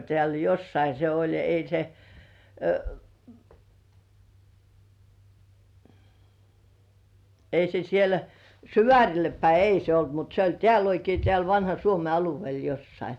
täällä jossakin se oli ei se ei se siellä Syvärille päin ei se ollut mutta se oli täällä oikein täällä vanhan Suomen alueella jossakin